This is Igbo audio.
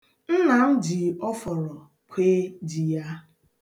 Nna m ji ọfọrọ kwee ji ya.